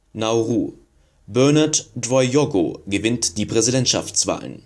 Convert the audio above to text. Nauru: Bernard Dowiyogo gewinnt die Präsidentschaftswahlen